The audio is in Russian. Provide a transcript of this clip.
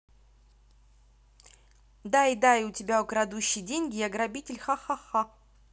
дай дай у тебя у крадущие деньги я грабитель хахахаха